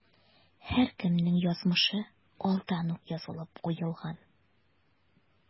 Һәркемнең язмышы алдан ук язылып куелган.